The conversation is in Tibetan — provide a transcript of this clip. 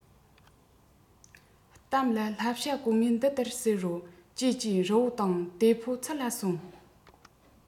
གཏམ ལ ལྷ བྱ གོང མོས འདི སྐད ཟེར རོ ཀྱེ ཀྱེ རི བོང དང དེ ཕོ ཚུར ལ གསོན